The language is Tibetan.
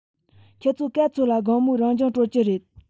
ཆུ ཚོད ག ཚོད ལ དགོང མོའི རང སྦྱོང གྲོལ གྱི རེད